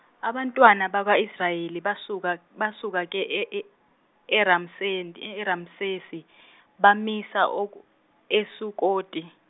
abantwana bakwa Israyeli basuka basuka ke e- e- eRamse- eRamsesi, bamisa oku- eSukoti.